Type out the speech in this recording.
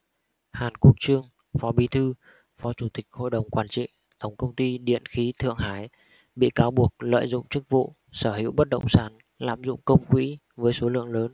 hàn quốc chương phó bí thư phó chủ tịch hội đồng quản trị tổng công ty điện khí thượng hải bị cáo buộc lợi dụng chức vụ sở hữu bất động sản lạm dụng công quỹ với số lượng lớn